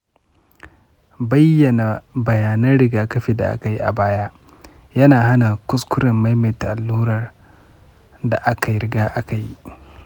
bayyana bayanan rigakafin da aka yi a baya yana hana kuskuren maimaita allurar da aka riga aka yi.